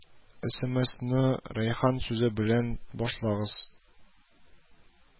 Эсэмэсны рәйхан сүзе белән башлагыз